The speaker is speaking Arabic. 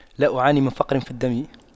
لا أعاني من فقر في الدم